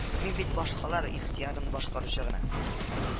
Мин бит башкалар ихтыярын башкаручы гына